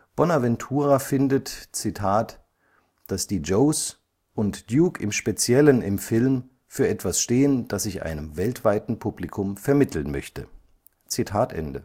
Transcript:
Bonaventura findet, „ dass die Joes, und Duke im Speziellen im Film, für etwas stehen, das ich einem weltweiten Publikum vermitteln möchte. “Im